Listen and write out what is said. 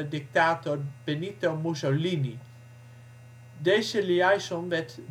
dictator Benito Mussolini. Deze liaison werd